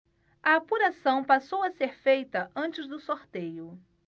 a apuração passou a ser feita antes do sorteio